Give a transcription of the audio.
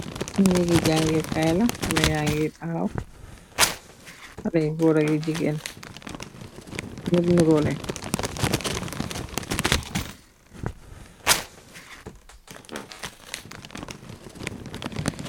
Nekeh jakeh gai laah, Haleh yageh tahaw ay goor ak jigeen deen duroh leeh.